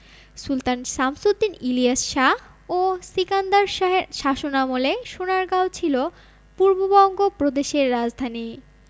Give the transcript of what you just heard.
সুলতান শামসুদ্দীন ইলিয়াস শাহ ও সিকান্দর শাহের শাসনামলে সোনারগাঁও ছিল পূর্ববঙ্গ প্রদেশের রাজধানী